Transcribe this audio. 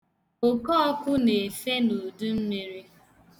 Okọọkụ na-efe n'udummiri.